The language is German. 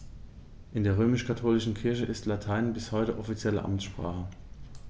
In der römisch-katholischen Kirche ist Latein bis heute offizielle Amtssprache.